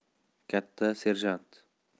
katta serjant